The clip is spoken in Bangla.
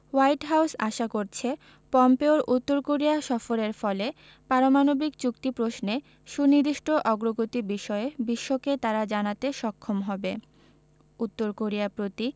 হোয়াইট হাউস আশা করছে পম্পেওর উত্তর কোরিয়া সফরের ফলে পারমাণবিক চুক্তি প্রশ্নে সুনির্দিষ্ট অগ্রগতি বিষয়ে বিশ্বকে তারা জানাতে সক্ষম হবে উত্তর কোরিয়ার প্রতি